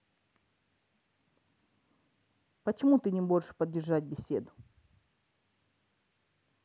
почему ты не можешь поддержать беседу